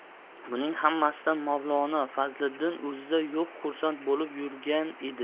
buning hammasidan mavlono fazliddin o'zida yo'q xursand bo'lib yurgan edi